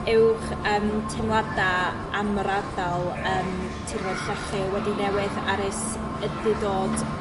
yw'ch yym teimlada am yr ardal yym tirwedd llechi wedi newid ar e's ydi dod